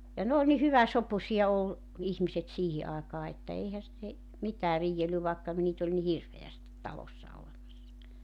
ja ne oli niin hyväsopuisia oli ihmiset siihen aikaan että eihän ne mitään riidellyt vaikka niitä oli niin hirveästi talossa olemassa